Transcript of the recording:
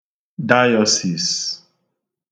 dayọsis